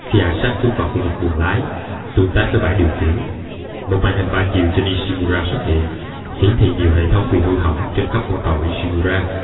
khi isaac bước vào khu vực buồng lái tương tác với bảng điều khiển một màn hình ba chiều trên ishimura xuất hiện hiển thị nhiều hệ thống bị hư hỏng trên khắp con tàu ishimura